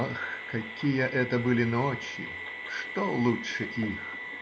Ах, какие это были ночи! Что лучше их?